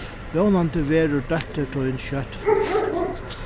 vónandi verður dóttir tín skjótt frísk